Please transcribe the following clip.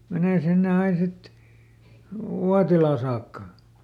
menee sinne aina sitten Uotilaan saakka